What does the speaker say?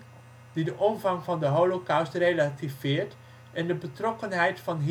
van de Holocaust relativeert en de betrokkenheid van